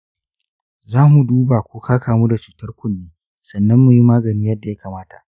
za mu duba ko ka kamu da cutar kunne sannan mu yi magani yadda ya kamata.